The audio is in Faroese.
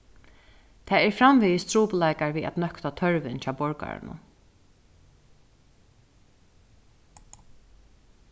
tað er framvegis trupulleikar við at nøkta tørvin hjá borgarunum